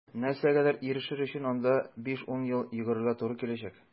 Нәрсәгәдер ирешер өчен анда 5-10 ел йөгерергә туры киләчәк.